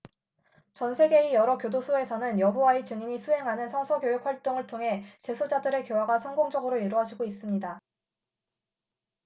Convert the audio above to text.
전 세계의 여러 교도소에서는 여호와의 증인이 수행하는 성서 교육 활동을 통해 재소자들의 교화가 성공적으로 이루어지고 있습니다